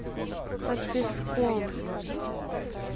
под песком